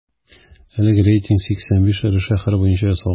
Әлеге рейтинг 85 эре шәһәр буенча ясалган.